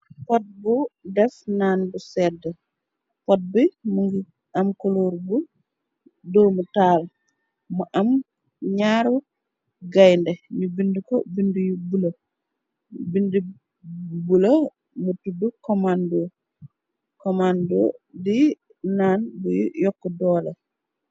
Pot bu def naan bu sedd duh, pot bi mu ngi am koloor bu doomu taal. m Mu am ñyaaru gaynde nu bind ko bindi bula. Bindu yi mu tudd kommando di naan buy yokk doole.